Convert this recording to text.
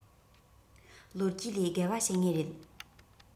ལོ རྒྱུས ལས རྒལ བ བྱེད ངེས རེད